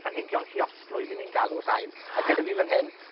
Planhigion lluosflwydd 'yn ni'n galw'r rhain, a gyda fi fy hyn